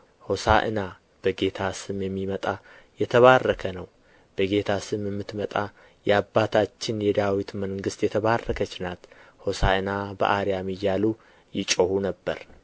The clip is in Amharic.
ሆሣዕና በጌታ ስም የሚመጣ የተባረከ ነው በጌታ ስም የምትመጣ የአባታችን የዳዊት መንግሥት የተባረከች ናት ሆሣዕና በአርያም እያሉ ይጮኹ ነበር ኢየሱስም ወደ